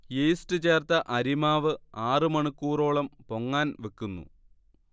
yeast ചേർത്ത അരിമാവ് ആറു മണിക്കൂറോളം പൊങ്ങാൻ വെക്കുന്നു